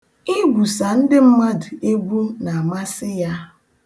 Igwusa ndị mmadụ egwu na-amasị ya.